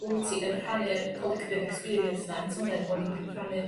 wt ti yn rhannu'r collective experience 'na eto 'de bo' ni'n rh- rhannu